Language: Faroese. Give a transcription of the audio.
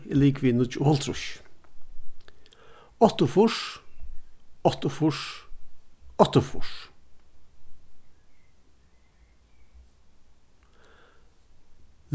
er ligvið níggjuoghálvtrýss áttaogfýrs áttaogfýrs áttaogfýrs